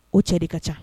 O cɛ de ka ca